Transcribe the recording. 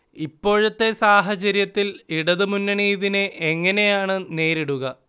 ഇപ്പോഴത്തെ സാഹചര്യത്തിൽ ഇടതുമുന്നണി ഇതിനെ എങ്ങനെയാണ് നേരിടുക